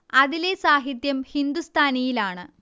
അതിലെ സാഹിത്യം ഹിന്ദുസ്ഥാനിയിലാണ്